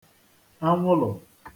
anwụlụ̀